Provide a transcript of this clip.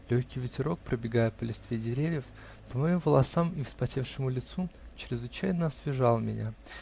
Легкий ветерок, пробегая по листве деревьев, по моим волосам и вспотевшему лицу, чрезвычайно освежал меня.